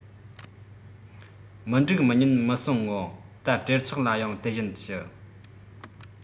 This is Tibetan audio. མི འགྲིག མི ཉན མི གསུང ངོ ད སྤྲེལ ཚོགས ལ ཡང དེ བཞིན ཞུ